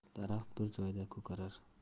daraxt bir joyda ko'karar